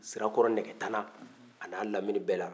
sirakɔrɔ nɛgɛtana a n'a lamini bɛɛ la